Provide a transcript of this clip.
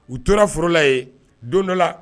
U tora foro la yeN, don dɔ la